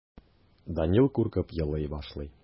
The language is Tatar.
Данил куркып елый башлый.